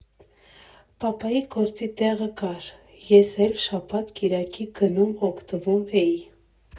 Պապայի գործի տեղը կար, ես էլ շաբաթ֊կիրակի գնում՝ օգտվում էի։